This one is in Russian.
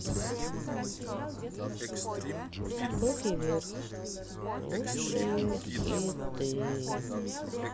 руки вверх лучшие хиты